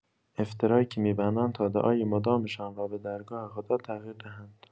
افترایی که می‌بندند تا دعای مدامشان را به درگاه خدا تغییر دهند.